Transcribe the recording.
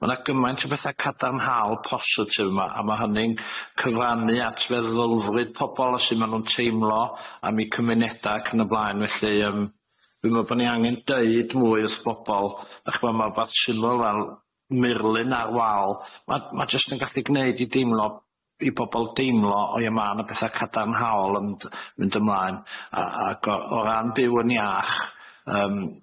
Ma' 'na gymaint o betha cadarnhaol positif 'ma a ma' hynny'n cyfrannu at feddylfryd pobol a su' ma' nw'n teimlo am 'i cymuneda ac yn y blaen felly yym dwi me'wl bo ni angen deud mwy wrth bobol dach ch' 'bo ma' wbath syml fel murlun ar wal ma' ma' jyst yn gallu gneud i deimlo i bobol deimlo o ia ma' 'na betha cadarnhaol yn md- mynd ymlaen a ag o o ran Byw yn Iach yym